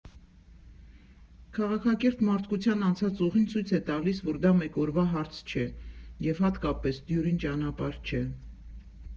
Քաղաքակիրթ մարդկության անցած ուղին ցույց է տալիս, որ դա մեկ օրվա հարց չէ, և, հատկապես, դյուրին ճանապարհ չէ։